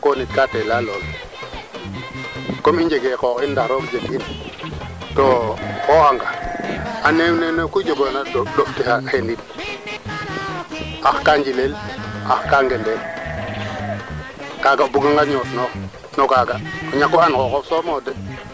to yasanga tamit tigo buko yas ta pour o wanga faxa mbaya xewo te ref ka te ref materiel na ando naye a jafe ña jafe ñe meeke te ref no machine na duuf tel keena duuf tel dal ax awa ref axa areer awa ref ɓasi awaa rek kaa tig na duufan nune njega jafe jafe no affaire materiel kaaga affaire machine keene nu mbaago njeg ax